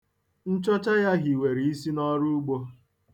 Nchọcha ya hiwere isi n'ọrụ ugbo.